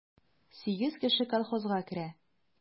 Сигез кеше колхозга керә.